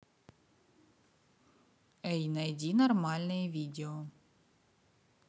эй найди нормальные видео